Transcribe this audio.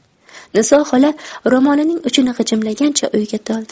niso xola ro'molining uchini g'ijimlagancha o'yga toldi